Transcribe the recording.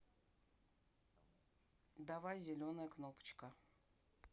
давай зеленая кнопочка